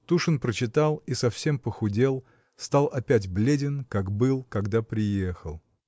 Тушин прочитал и совсем похудел, стал опять бледен, как был, когда приехал.